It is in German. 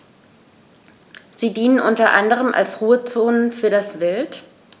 Sie dienen unter anderem als Ruhezonen für das Wild.